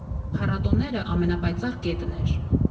Փառատոները՝ ամենապայծառ կետն էր։